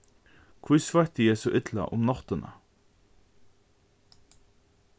hví sveitti eg so illa um náttina